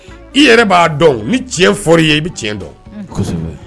I yɛrɛ b'a dɔn ni tiɲɛ fɔ i ye i bɛ tiɲɛ dɔn